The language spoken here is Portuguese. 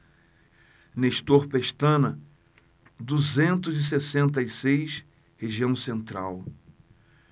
nestor pestana duzentos e sessenta e seis região central